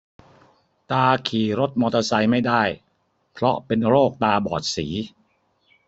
ตาขี่รถมอเตอร์ไซค์ไม่ได้เพราะเป็นโรคตาบอดสี